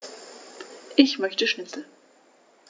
Ich möchte Schnitzel.